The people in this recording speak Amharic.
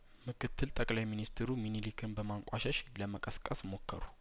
ምክትል ጠቅላይ ሚኒስትሩ ምንሊክን በማንቋሸሽ ለመቀስቀስ ሞከሩ